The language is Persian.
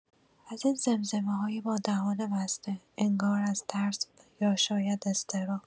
از این زمزمه‌های با دهان بسته، انگار از ترس یا شاید اضطراب.